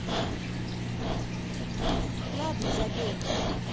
ладно забей